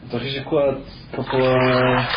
Dach chi isio clywed cwpl o yy...